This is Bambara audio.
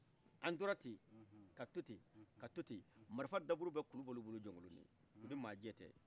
an tora ten ka toten ka toten marifa daburu be kulubaliw bolo jɔnkoloni uni ma jɛtɛ